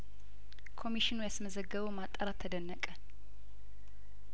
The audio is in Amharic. ኮሚሽኑ ያስመዘገበው ማጣራት ተደነቀ